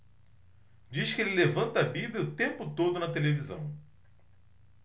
diz que ele levanta a bíblia o tempo todo na televisão